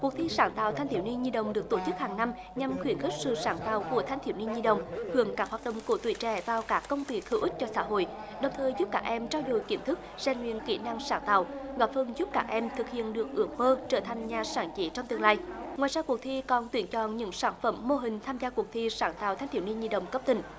cuộc thi sáng tạo thanh thiếu niên nhi đồng được tổ chức hằng năm nhằm khuyến khích sự sáng tạo của thanh thiếu niên nhi đồng hưởng ứng các hoạt động của tuổi trẻ vào các công việc hữu ích cho xã hội đồng thời giúp các em trau dồi kiến thức rèn luyện kỹ năng sáng tạo góp phần giúp các em thực hiện được ước mơ trở thành nhà sáng chế trong tương lai ngoài ra cuộc thi còn tuyển chọn những sản phẩm mô hình tham gia cuộc thi sáng tạo thanh thiếu niên nhi đồng cấp tỉnh